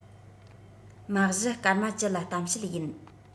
མ གཞི སྐར མ བཅུ ལ གཏམ བཤད ཡིན